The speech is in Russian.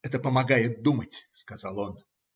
- Это помогает думать, - сказал он.